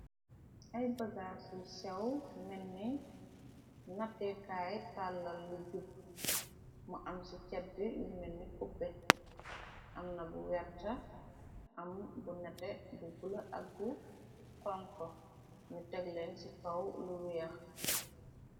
Ay bagaas ci sew menni natekaay tàllal lu jub mu am ci cet bi lu menni cuppe amna bu werta am bu nate bu bula ak bu xonko nu tëgleen ci faw lu wiex.